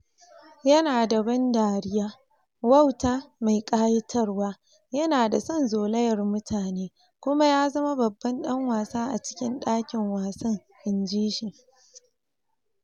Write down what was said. "Yana da ban dariya, wauta, mai ƙayatarwa, yana da son zolayar mutane, kuma ya zama babban dan wasa a cikin dakin wasan," inji shi.